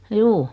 juu